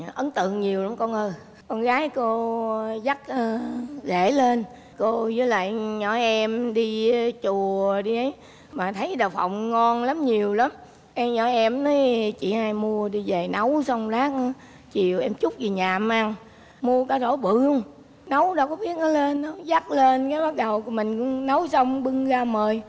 dạ ấn tượng nhiều lắm con ơi con gái cô dắt a rể lên cô với lại nhỏ em đi chùa đi ấy mà thấy đậu phộng ngon lắm nhiều lắm em nhỏ em nói chị hai mua đi về nấu xong lát chiều em trút về nhà em ăn mua cả rổ bự luôn nấu đâu có biết nó lên đâu nó dắc lên cái bắt đầu mình nấu xong bưng ra mời